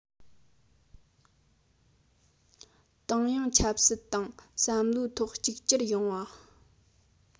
ཏང ཡོངས ཆབ སྲིད དང བསམ བློའི ཐོག གཅིག གྱུར ཡོང བ